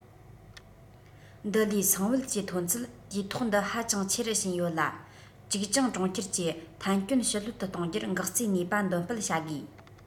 འདི ལོའི སྲིང བལ གྱི ཐོན ཚད དུས ཐོག འདི ཧ ཅང ཆེ རུ ཕྱིན ཡོད ལ ཅིའུ ཅང གྲོང ཁྱེར གྱི ཐན སྐྱོན ཞི ལྷོད དུ གཏོང རྒྱུར འགག རྩའི ནུས པ འདོན སྤེལ བྱ དགོས